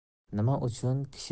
nima uchun kishi